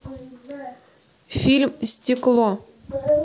фильм стекло